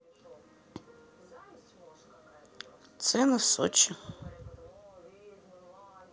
цены в сочи